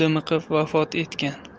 dimiqib vafot etgan